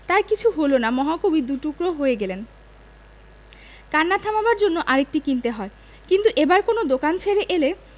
তার কিছু হল না মহাকবি দু'টুকরা হয়ে গেলেন কান্না থামাবার জন্যে আরেকটি কিনতে হয় কিন্তু একবার কোন দোকান ছেড়ে এলে